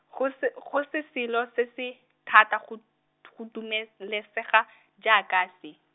go se, go se selo se se, thata go d- go dumelesega, jaaka se.